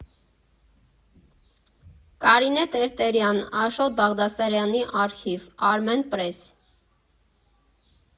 Կարինե Տերտերյան Աշոտ Բաղդասարյանի արխիվ, Արմենպրես։